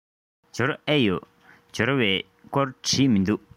འབྱོར ཨེ ཡོད འབྱོར བའི སྐོར བྲིས མི འདུག